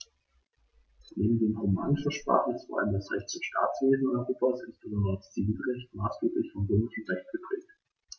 Neben den romanischen Sprachen ist vor allem das Rechts- und Staatswesen Europas, insbesondere das Zivilrecht, maßgeblich vom Römischen Recht geprägt.